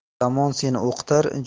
zamon seni o'qitar